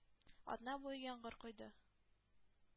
Атна буе яңгыр койды.